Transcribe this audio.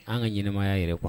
An ka ɲɛnɛmaya yɛrɛ kuwa